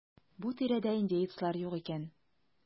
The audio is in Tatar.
Бу тирәдә индеецлар юк икән.